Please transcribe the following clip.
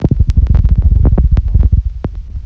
не работают каналы